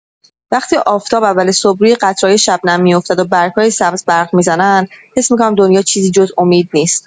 وقتی آفتاب اول صبح روی قطره‌های شبنم می‌افتد و برگ‌های سبز برق می‌زنند، حس می‌کنم دنیا چیزی جز امید نیست.